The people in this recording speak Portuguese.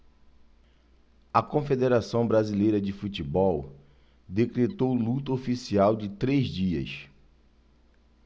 a confederação brasileira de futebol decretou luto oficial de três dias